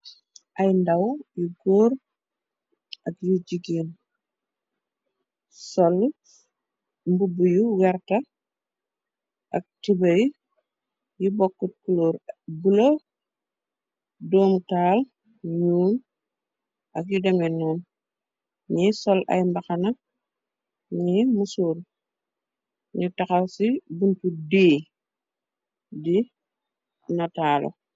Ay ndaw yu góor ak yu jigeen, sol mbubu yu werta, ak tibey yi bokkut kuloor, bula, doomutaal, ñuul ak yu demennoon, ñi sol ay mbaxana, ñi musuur, ñu taxal ci buntu dii di nataalu.